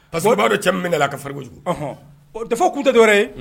Pasɔrɔ b'a dɔn cɛ min ka a ka farikolobuguɔn dafa tun tɛ dɔwɛrɛ ye